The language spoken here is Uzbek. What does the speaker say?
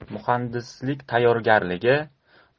muhandislik tayyorgarligi